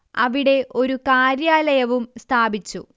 അവിടെ ഒരു കാര്യാലയവും സ്ഥാപിച്ചു